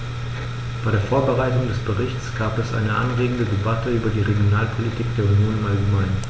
Bei der Vorbereitung des Berichts gab es eine anregende Debatte über die Regionalpolitik der Union im allgemeinen.